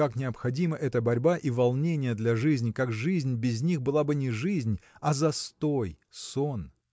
как необходима эта борьба и волнения для жизни как жизнь без них была бы не жизнь а застой сон.